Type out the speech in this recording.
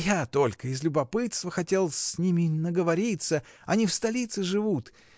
— Я только из любопытства: хотел с ними наговориться, они в столице живут.